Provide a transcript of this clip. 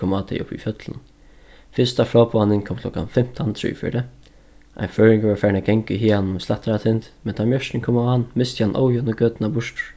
kom á tey uppi í fjøllunum fyrsta fráboðanin kom klokkan fimtan trýogfjøruti ein føroyingur var farin at ganga í haganum við slættaratind men tá mjørkin kom á hann misti hann ójøvnu gøtuna burtur